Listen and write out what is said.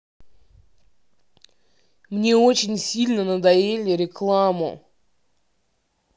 мне очень сильно надоели рекламу